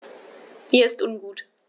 Mir ist ungut.